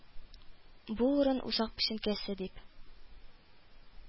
Бу урын Усак пөченкәсе дип